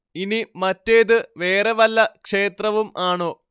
ഇനി മറ്റേത് വേറെ വല്ല ക്ഷേത്രവും ആണോ